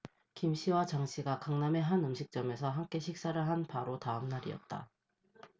김 씨와 장 씨가 강남의 한 음식점에서 함께 식사를 한 바로 다음 날이었다